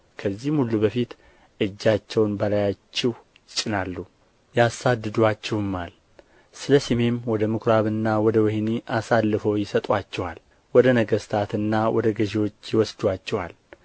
ከዚህም ሁሉ በፊት እጃቸውን በላያችሁ ይጭናሉ ያሳድዱአችሁማል ስለ ስሜም ወደ ምኵራብና ወደ ወኅኒ አሳልፈው ይሰጡአችኋል ወደ ነገሥታትና ወደ ገዥዎችም ይወስዱአችኋል